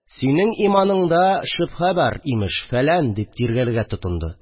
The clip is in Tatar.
Синең иманыңда шөбһәң бар, имеш, фәлән», – дип тиргәргә тотынды